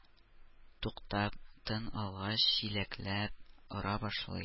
Туктап тын алгач, чиләкләп ора башлый